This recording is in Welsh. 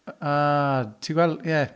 Aa, ti'n gweld, ie.